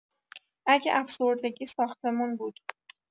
اگه افسردگی ساختمون بود